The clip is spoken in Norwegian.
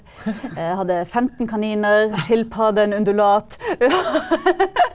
jeg hadde 15 kaniner, skilpadde, en undulat .